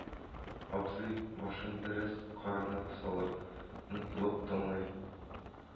Абзый, башын бераз кырын салып, онытылып тыңлый